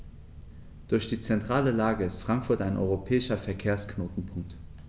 Durch die zentrale Lage ist Frankfurt ein europäischer Verkehrsknotenpunkt.